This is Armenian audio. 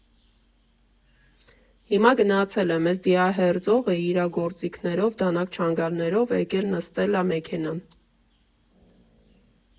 Հիմա գնացել եմ, էս դիահերձողը իրա գործիքներով՝ դանակ֊չանգալներով եկել նստել ա մեքենան։